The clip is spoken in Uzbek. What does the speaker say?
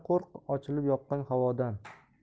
qo'rq ochilib yoqqan havodan